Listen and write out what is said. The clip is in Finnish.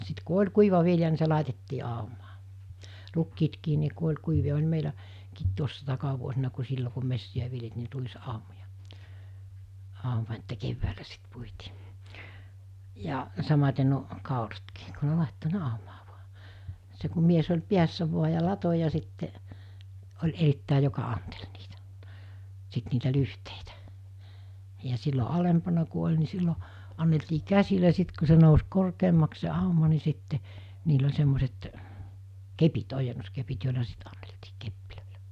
sitten kun oli kuiva vilja niin se laitettiin aumaa rukiitkin niin kun oli kuivia oli - meilläkin tuossa takavuosina kun silloin kun metsiä viljeltiin niin ruisaumoja auma että keväällä sitten puitiin ja samaten nuo kauratkin kun ne laittoi ne aumaan vain se kun mies oli päässä vain ja latoi ja sitten oli erittäin joka anteli niitä sitten niitä lyhteitä ja silloin alempana kun oli niin silloin anneltiin käsillä sitten kun se nousi korkeammaksi se auma niin sitten niillä oli semmoiset kepit ojennuskepit joilla sitten anneltiin kepeillä